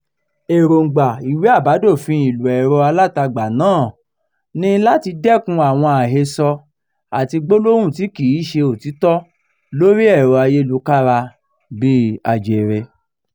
Èròńgbà ìwé àbádòfin ìlò ẹ̀rọ alátagbà náà ni láti dẹ́kun àwọn àhesọ àti gbólóhùn tí kì í ṣe òtítọ́ lórí ẹ̀rọ ayélukára bí ajere.